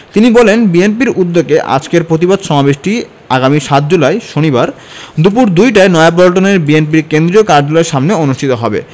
তিনি বলেন বিএনপির উদ্যোগে আজকের প্রতিবাদ সমাবেশটি আগামী ৭ জুলাই শনিবার দুপুর দুইটায় নয়াপল্টনের বিএনপি কেন্দ্রীয় কার্যালয়ের সামনে অনুষ্ঠিত হবে